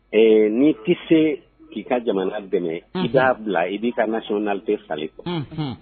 Ɛɛ n'i ki k'i ka jamana dɛmɛ i b'a bila i b'i ka nayon nali falen kɔ